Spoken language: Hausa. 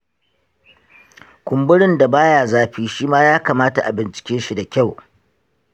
kumburin da baya zafi shima ya kamata a bincikeshi da kyau.